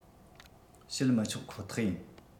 བྱེད མི ཆོག ཁོ ཐག ཡིན